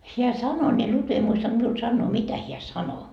hän sanoi niin Lutvi ei muistanut minulle sanoa mitä hän sanoi